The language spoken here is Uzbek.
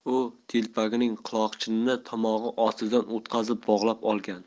u telpagining quloqchinini tomog'i ostidan o'tkazib bog'lab olgan